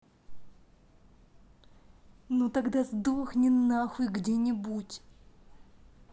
ну тогда сдохни нахуй где нибудь